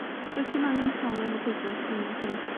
Does dim angen talu am y Quizlet i wneud hyn.